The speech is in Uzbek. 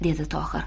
dedi tohir